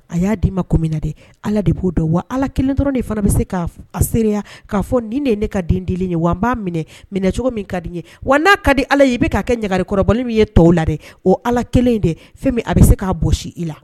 A y'a d'i ma kun minna dɛ allah de b'o dɔn wa allah kelen pe dɔrɔn de fana bɛ se k'a seereya k'a fɔ nin de ye ne ka den di ye wa n b'a minɛ minɛ cogo min ka di n ye wa n'a ka di allah ye i bɛ k'a kɛ ɲagali kɔrɔbɔ min kɛ tɔw la dɛ , o allh kelen dɛ fɛn min a bɛ se k'a bɔ si i la.